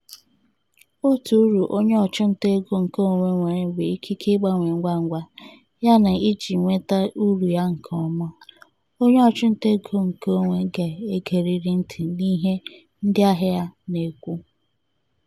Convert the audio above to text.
Otu ụrụ onye ọchụnta ego nkeonwe nwere bụ ikike ịgbanwe ngwa ngwa, yana iji nweta uru a nke ọma, onye ọchụnta ego nkeonwe ga-egerịrị ntị n'ihe ndịahịa ya na-ekwu.